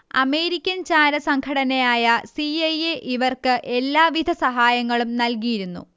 American ചാരസംഘടനയായ C. I. A. ഇവർക്ക് എല്ലാവിധ സഹായങ്ങളും നൽകിയിരുന്നു